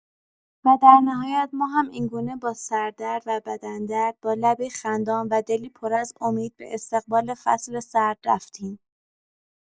و در نهایت ما هم اینگونه با سردرد و بدن‌درد، با لبی خندان و دلی پر از امید به استقبال فصل سرد رفتیم.